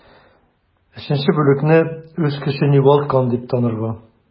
3 бүлекне үз көчен югалткан дип танырга.